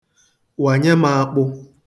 Wanye m akpụ.